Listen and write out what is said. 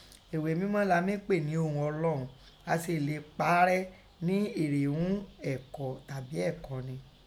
Eghe mẹ́mọ la mí pe ni “ohùn Ọ̀lọ́ún”, á sèè le pàá rẹ́ “nẹ́ ere ún ẹ̀kọ́” tàbí ẹ̀kọ́ni”